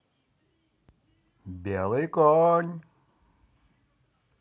бледный конь